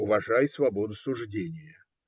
Уважай свободу суждения.